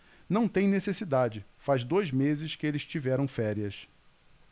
não tem necessidade faz dois meses que eles tiveram férias